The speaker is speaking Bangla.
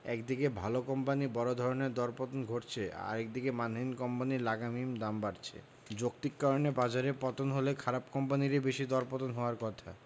একদিকে ভালো কোম্পানির বড় ধরনের দরপতন ঘটছে আরেক দিকে মানহীন কোম্পানির লাগামহীন দাম বাড়ছে যৌক্তিক কারণে বাজারে পতন হলে খারাপ কোম্পানিরই বেশি দরপতন হওয়ার কথা